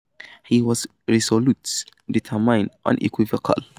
He was resolute, determined, unequivocal."